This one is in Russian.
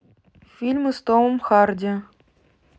фильмы с томом харди